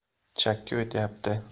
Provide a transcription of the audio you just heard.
chakka o'tyapti